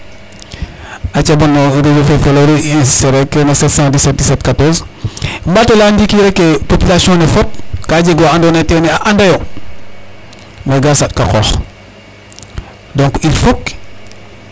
Aca bon réseau fe feleeru i insiter rek no 7171714 ɓaat o layaa ndiki rek ee population ne fop ka jeg wa andoona yee ten a anda mais ga saɗka a qoox .